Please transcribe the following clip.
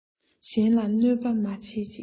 གཞན ལ གནོད པ མ བྱེད ཅིག